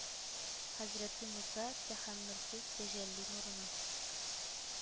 Хәзрәти Муса тәхәммелсез тәҗәлли нурына